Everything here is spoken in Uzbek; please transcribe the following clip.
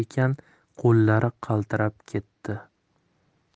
ekan qo'llari qaltirab ketti